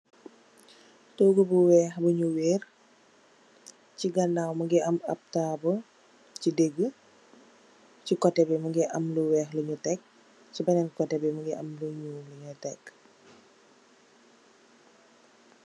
Tóógu bu wèèx bu ñu weer ci ganaw mugii am ap tabull ci digih, ci koteh bi mugii am lu wèèx lu ñu tek, ci benen koteh bi mugii am lu ñuul lu ñu tek.